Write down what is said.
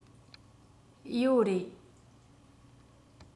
ཡོད རེད